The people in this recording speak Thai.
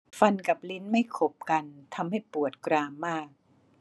ฟันกับลิ้นไม่ขบกันทำให้ปวดกรามมาก